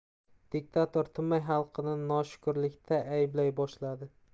diktator tinmay xalqini noshukurlikda ayblay boshladi